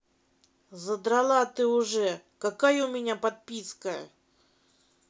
задрала ты уже какая у меня подписка